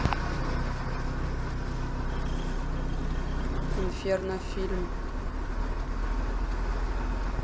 инферно фильм